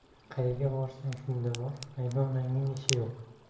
qayga borsang shunda bor qaynonangning ishi yo'q